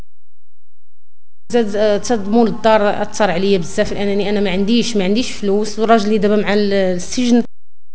صدم ولد اتصل علي بالسيف لاني انا ما عنديش ما عنديش فلوس ورجلي ضربه معلم